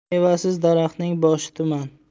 mevasiz daraxtning boshi tuman